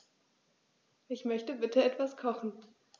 Ich möchte bitte etwas kochen.